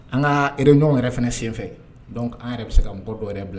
An kare ɲɔgɔn yɛrɛ fana sen fɛ an yɛrɛ bɛ se ka mɔgɔ dɔw yɛrɛ bila